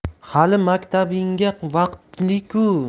hali maktabingga vaqtli ku